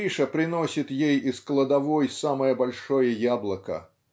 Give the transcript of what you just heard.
Гриша приносит ей из кладовой самое большое яблоко.